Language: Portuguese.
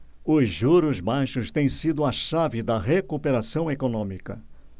os juros baixos têm sido a chave da recuperação econômica